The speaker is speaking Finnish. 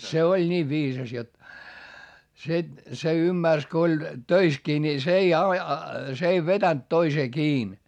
se oli niin viisas jotta se se ymmärsi kun oli töissäkin niin se ei - se ei vetänyt toiseen kiinni